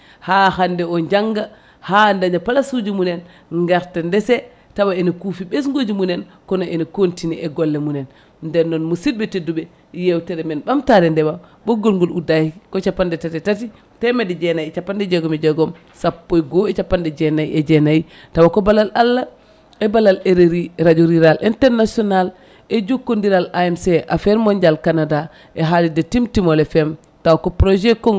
ha hande o jangga ha daña place uji mumen garta ndeese tawa ene kuufi ɓesguji mumen kono ene contini e golle mumen nden musidɓe tedduɓe yewtere men ɓamtare ndeema ɓoggaol ngol uddaki ko capanɗe tati e tati temedde jeenayyi capanɗe jeegom e jeegom sappo e goho e capanɗe jeenayyi e jeenayyi tawa ko ballal Allah e ballal RRI radio rural international e jokkodiral AMC affaire mondial Canada e haalirde Timtimol FM taw ko projet kon